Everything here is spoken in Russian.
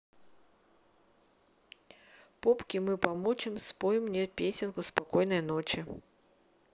попки мы починим спой мне песенку спокойной ночи